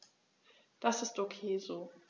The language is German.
Das ist ok so.